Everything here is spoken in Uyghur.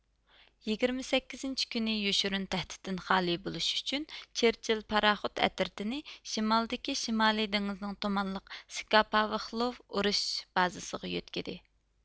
يىگىرمە سەككىزىنچى كۈنى يوشۇرۇن تەھدىتتىن خالىي بولۇش ئۈچۈن چېرچىل پاراخوت ئەترىتىنى شىمالدىكى شىمالىي دېڭىزنىڭ تۇمانلىق سىكاپاۋېخلوۋ ئۇرۇش بازىسىغا يۆتكىدى